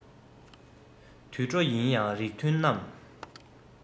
དུད འགྲོ ཡིན ཡང རིགས མཐུན རྣམས